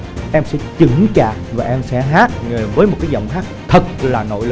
em sẽ chững chạc và em sẽ hát với một cái giọng hát thật là nội lực